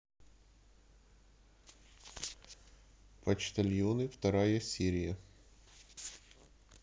почтальон вторая серия